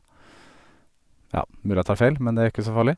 Ja, mulig jeg tar feil, men det er jo ikke så farlig.